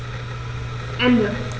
Ende.